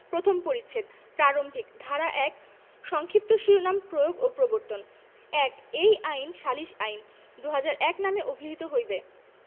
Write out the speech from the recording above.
প্রথম পরিচ্ছেদ প্রারম্ভিক ধারা ১ সংক্ষিপ্ত শিরোনাম প্রয়োগ ও প্রবর্তন ১ এই আইন সালিস আইন ২০০১ নামে অভিহিত হইবে